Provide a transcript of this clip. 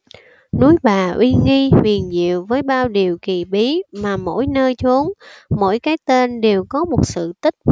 núi bà uy nghi huyền diệu với bao điều kỳ bí mà mỗi nơi chốn mỗi cái tên đều có một sự tích